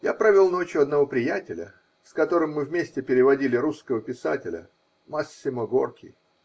Я провел ночь у одного приятеля, с которым мы вместе переводили русского писателя Массимо Горки.